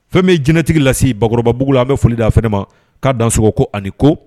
Fɛn bɛ jtigi lasesi bakɔrɔbaba bugu la an bɛ foli da fɛ ma k'a dan sogo ko ani ko